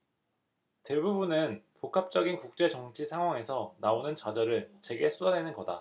대부분은 복합적인 국제 정치 상황에서 나오는 좌절을 제게 쏟아내는 거다